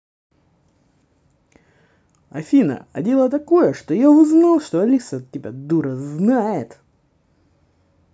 афина а дело такое что я узнал что алиса тебя дура знает